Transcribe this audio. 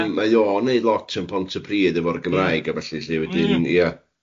Mae o'n neud lot yn Pontypridd efo'r Gymraeg a ballu 'lly, wedyn... mm... ia.